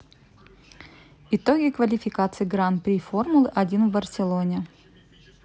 итоги квалификации гран при формулы один в барселоне